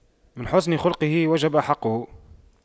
من حسن خُلقُه وجب حقُّه